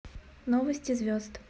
новости звезд